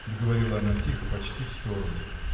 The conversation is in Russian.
— договорила она тихо, почти в сторону.